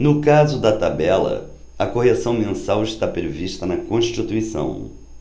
no caso da tabela a correção mensal está prevista na constituição